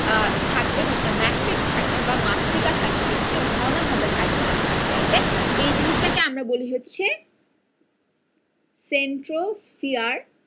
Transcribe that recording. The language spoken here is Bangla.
থাকবে ম্যাট্রিক্স থাকবে বা মাত্রিকা থাকবে ঘন হবে সাইটোপ্লাজমের চাইতে এই জিনিসটাকে আমরা বলি হচ্ছে সেন্ট্রোস্ফিয়ার